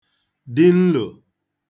dị nlò